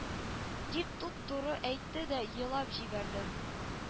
Дип туп-туры әйтте дә елап җибәрде